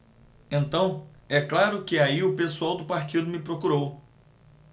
então é claro que aí o pessoal do partido me procurou